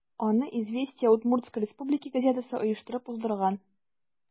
Аны «Известия Удмуртсткой Республики» газетасы оештырып уздырган.